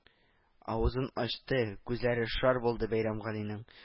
Авызын ачты, күзләре шар булды Бәирәмгалинең